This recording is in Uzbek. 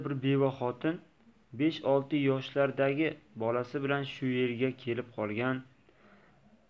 bir beva xotin besh olti yoshlardagi bolasi bilan shu yerga kelib qolgan